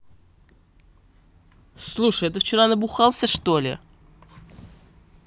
слушай а ты вчера набухался что ли